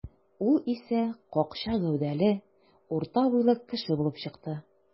Ул исә какча гәүдәле, урта буйлы кеше булып чыкты.